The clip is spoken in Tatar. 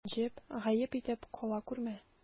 Рәнҗеп, гаеп итеп кала күрмә.